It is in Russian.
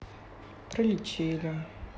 пролечили